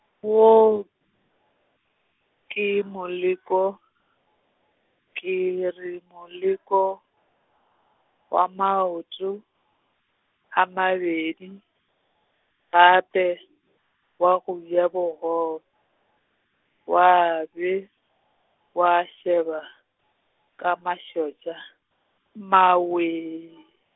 wo, ke moleko, ke re moleko, wa maoto, a mabedi, gape, wa go ja bogobe, wa be, wa šeba, ka mašotša, mmawee.